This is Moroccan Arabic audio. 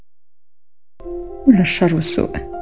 نشر السوء